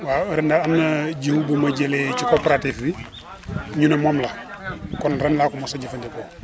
waaw ren nag am na jiw bu ma jëlee ci coopérative bi ñu ne moom la kon ren laa ko mos a jëfandikoo